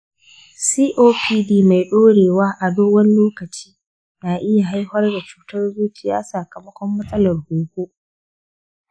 copd mai ɗorewa na dogon lokaci na iya haifar da cutar zuciya sakamakon matsalar huhu.